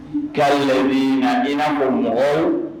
ka laziina i n'a fɔ mɔgɔw